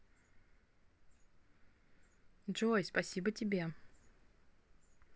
джой спасибо тебе